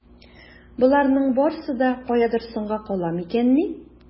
Боларның барсы да каядыр соңга кала микәнни?